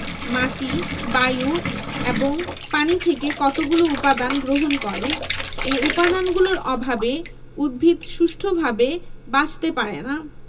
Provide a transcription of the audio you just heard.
মাটি বায়ু এবং পানি থেকে কতগুলো উপদান গ্রহণ করে এ উপাদানগুলোর অভাবে উদ্ভিদ সুষ্ঠুভাবে বাঁচতে পারে না